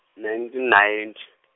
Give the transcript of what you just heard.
nineteen ninety .